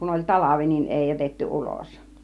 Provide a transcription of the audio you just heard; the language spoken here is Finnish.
kun oli talvi niin ei jätetty ulos